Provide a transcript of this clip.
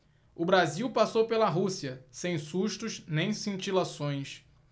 o brasil passou pela rússia sem sustos nem cintilações